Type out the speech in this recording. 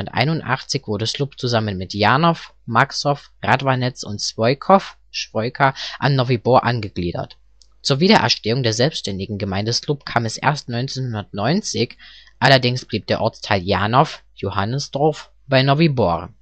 1981 wurde Sloup zusammen mit Janov, Maxov, Radvanec und Svojkov (Schwoika) an Nový Bor angegliedert. Zur Wiedererstehung der selbstständigen Gemeinde Sloup kam es erst 1990, allerdings blieb der Ortsteil Janov (Johannesdorf) bei Novy Bor